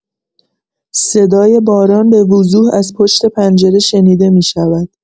صدای باران به‌وضوح از پشت پنجره شنیده می‌شود.